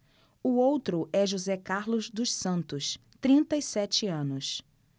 o outro é josé carlos dos santos trinta e sete anos